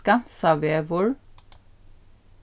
skansavegur